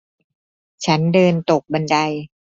ฉันเดินตกบันได